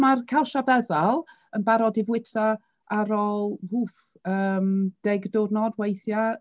Mae'r cawsiau feddal yn barod i fwyta ar ôl wff yym deg diwrnod weithiau?